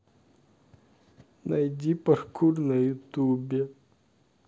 найди паркур на ютубе